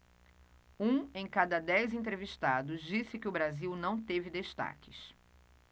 um em cada dez entrevistados disse que o brasil não teve destaques